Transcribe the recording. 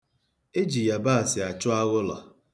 E ji yabaasị achụ aghụlọ.